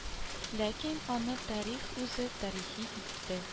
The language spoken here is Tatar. Ләкин аны тарих үзе тарихи итте